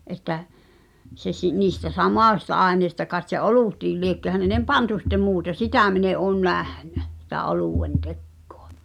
että se - niistä samoista aineista kai se olutkin liekö häneen pantu sitten muuta sitä minä en ole nähnyt sitä oluen tekoa